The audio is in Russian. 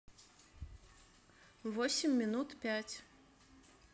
восемь минут пять